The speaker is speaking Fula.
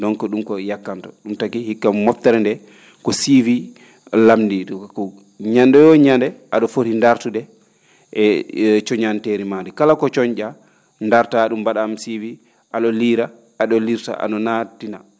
donc ?um ko yakkanto ?um taki hikka mobtere ndee ko suivi lamndii ?um ko ñannde yo ñannde a?o fori ndaartude e coñanteeri maa ndii kala ko coñ?a ndaartaa ?um mba?aa ?um suivi a?o liira liirsa a?o nattina